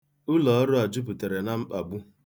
Ụlọọrụ a jupụtara na mkpagbu.